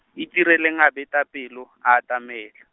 Itireleng a beta pelo, a atamela.